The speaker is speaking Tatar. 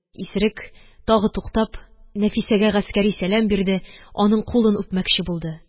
Исерек, тагы туктап, Нәфисәгә гаскәри сәлам бирде, аның кулын үпмәкче булды.